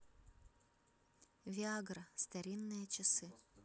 виагра старинные часы